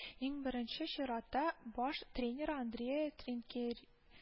Иң беренче чиратта, баш тренеры Андреа Тринкери